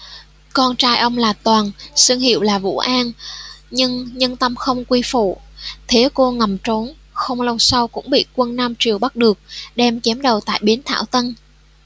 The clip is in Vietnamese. con trai ông là toàn xưng hiệu là vũ an nhưng nhân tâm không quy phụ thế cô ngầm trốn không lâu sau cũng bị quân nam triều bắt được đem chém đầu tại bến thảo tân